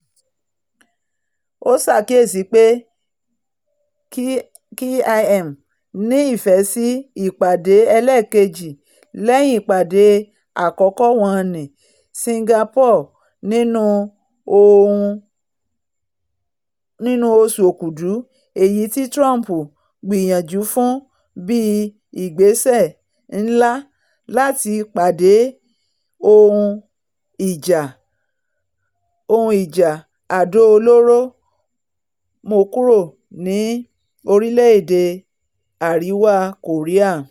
Ó ṣàkíyèsí pé Kim ní ìfẹ́ sí ìpàdé ẹlẹ́ẹ̀keji lẹ́yìn ìpàdé àkọ́kọ́ wọn ní Singapore nínú oṣù Òkúdu èyití Trump gbóríyìn fún bí ìgbésẹ̀ ńlá láti palẹ̀ ohun ìjà àdó olóró mọ́ kúrò ní orílẹ̀-èdè Àriwá Kòrià.